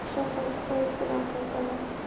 oqshomgi poezd bilan qaytaman